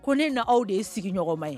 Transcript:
Ko ne na aw de ye sigi ɲɔgɔn ma ye